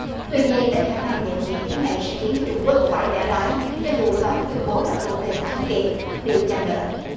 tuy nhiên ít khả năng những diễn tiến này sẽ khiến cho trung quốc phải bẻ lái cho dù tòa có tuyên bố là phi lip pin thắng kiện đi chăng nữa